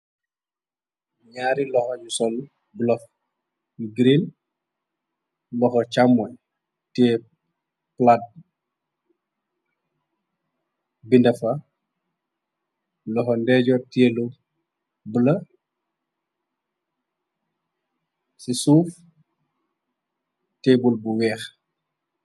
Ñaari loho ñu sol gloves yu green, loho chàmoñ te plaade binda fa. Loho ndejor tèe lu bulo. Ci suuf table bu weeh.